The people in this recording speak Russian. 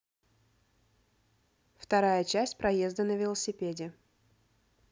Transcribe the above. вторая часть проезда на велосипеде